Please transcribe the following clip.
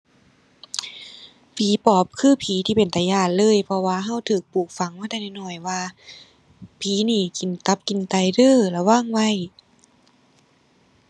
ผีปอบคือผีที่เป็นตาย้านเลย เพราะว่าเราเราปลูกฝังมาแต่น้อยน้อยว่า ผีนี่กินตับกินไตเด้อ ระวังไว้